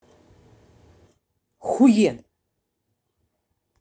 хуен